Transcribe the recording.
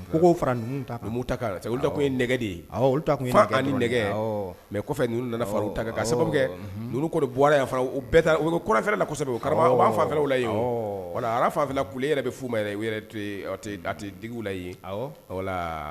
Ko ko fara ta olu tun ye nɛgɛ de ye ni nɛgɛ mɛ kɔfɛ ninnu nana ta ka sababu kɛ bɔra yan u u kuranfɛlasɔ u fanw la wala ara fafɛla kule e yɛrɛ bɛ f la